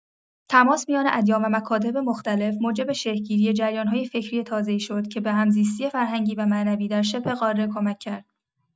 تماس میان ادیان و مکاتب مختلف، موجب شکل‌گیری جریان‌های فکری تازه‌ای شد که به همزیستی فرهنگی و معنوی در شبه‌قاره کمک کرد.